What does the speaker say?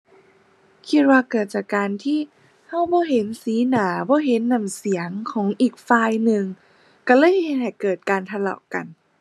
คิดว่าเกิดจากการที่เราบ่เห็นสีหน้า บ่เห็นน้ำเสียงของอีกฝ่ายหนึ่ง เราเลยเฮ็ดให้เกิดการทะเลาะกัน